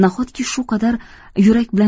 nahotki shu qadar yurak bilan